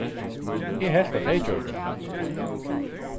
eg helt at tey gjørdu hatta